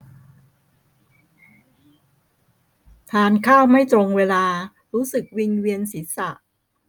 ทานข้าวไม่ตรงเวลารู้สึกวิงเวียนศีรษะ